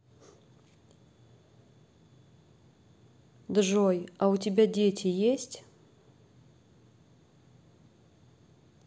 джой а у тебя дети есть